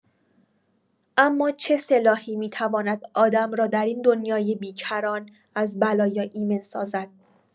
اما چه سلاحی می‌تواند آدم را در این دنیای بیکران از بلایا ایمن سازد؟